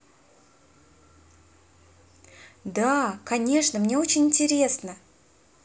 да конечно мне очень интересно